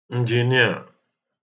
ǹjìnia